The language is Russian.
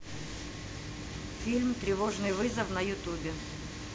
фильм тревожный вызов на ютубе